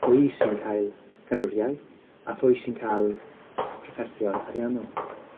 pwy sy'n cael carwriaeth a phwy sy'n ca'l trafferthion ariannol.